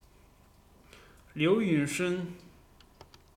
ལིའུ ཡུན ཧྲན